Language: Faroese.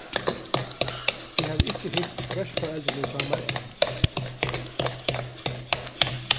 eg havi ikki hitt verforeldrini hjá mær enn